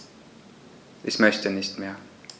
Ich möchte nicht mehr.